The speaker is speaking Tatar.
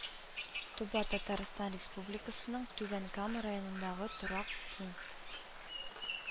Тоба Татарстан Республикасының Түбән Кама районындагы торак пункт